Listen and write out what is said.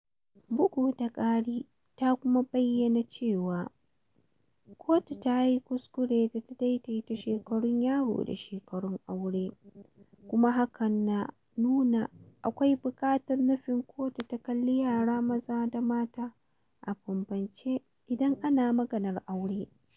Bugu da ƙari, ta kuma bayyana cewa kotu ta yi kuskure da ta "daidaita shekarun yaro da shekarun aure" kuma hakan na akwai buƙatar nufin kotu ta kalli yara maza da mata a bambamce idan ana maganar shekarun aure.